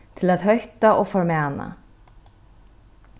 til at hótta og formana